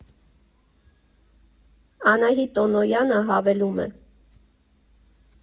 Անահիտ Տոնոյանը հավելում է.